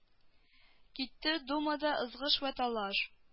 Китте думада ызгыш вә талаш